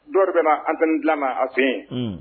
Dɔw bɛ ant dilan ma a sen yen